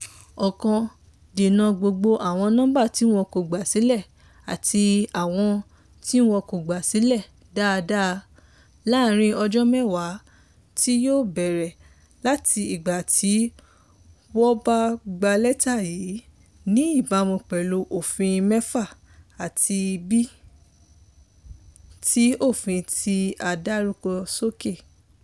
1- Dènà gbogbo àwọn nọ́mbà tí wọ́n ko gbà sílẹ̀ àti àwọn tí wọn kò gbà sílẹ̀ dáadáa láàárín ọjọ́ mẹ́wàá tí yóò bẹ̀rẹ̀ láti ìgbà tí wọ́n bá gba lẹ́tà yìí, ní ìbámu pẹ̀lú Òfin 6(a)ati (b) ti òfin tí a dárúkọ sókè.